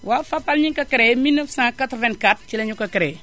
waaw Fapal ñu ngi ko créé 1984 ci la ñu ko créé